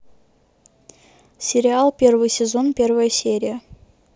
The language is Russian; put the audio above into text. сериал первый сезон первая серия